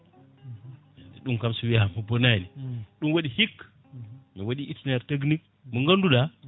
ɗum kam so wiyama bonani ɗum waɗi hikka mi waɗi ittinaire technique mo ganduɗa